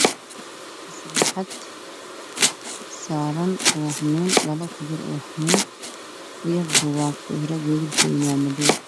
Waa sariixad saaran ubaxman dhalo kujiro iyo buugaag, sariixadu waa madow.